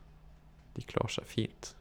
De klarer seg fint.